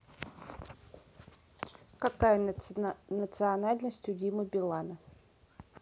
какая национальность у димы билана